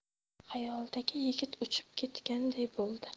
xayolidagi yigit uchib ketganday bo'ldi